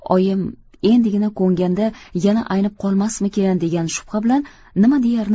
oyim endigina ko'nganda yana aynib qolmasmikin degan shubha bilan nima deyarini